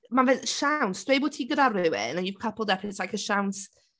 Ma' fe'n siawns. Dweud bod ti gyda rhywun and you coupled up and it's like a siawns...